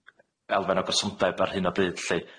elfen o gysondeb ar hyn o bryd lly.